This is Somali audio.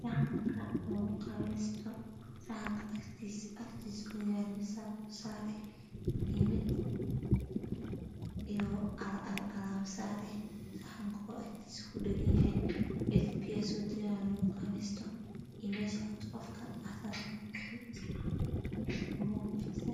Saxan lagu qabayso iyo mid alabo